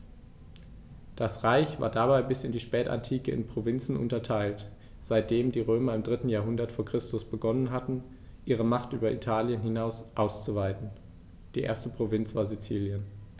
Das Reich war dabei bis in die Spätantike in Provinzen unterteilt, seitdem die Römer im 3. Jahrhundert vor Christus begonnen hatten, ihre Macht über Italien hinaus auszuweiten (die erste Provinz war Sizilien).